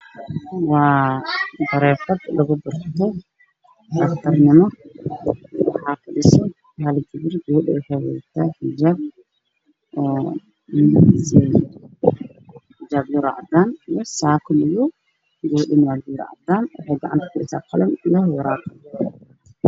Waa prefer wax lagu barto waxaa fadhida gabar wadato saako madow ah waxbey qoraysaa gacanta wax ku haysaa waraaqad buug